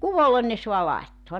kuvolle ne saa laittaa